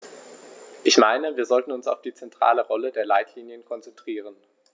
Ich meine, wir sollten uns auf die zentrale Rolle der Leitlinien konzentrieren.